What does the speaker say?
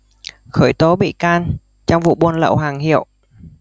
khởi tố bị can trong vụ buôn lậu hàng hiệu